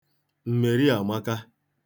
m̀mèri àmaka